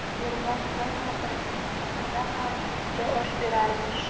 ermon buva kampirining qirqida ham yurtga osh berarmish